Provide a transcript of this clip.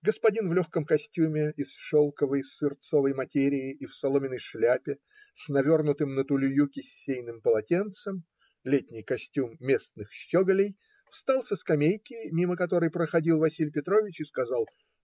Господин, в легком костюме из шелковой сырцовой материи и в соломенной шляпе, с навернутым на тулью кисейным полотенцем (летний костюм местных щеголей), встал со скамейки, мимо которой проходил Василий Петрович, и сказал